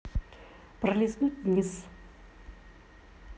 пролистнуть вниз